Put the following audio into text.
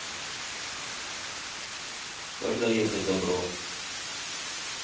как доехать добро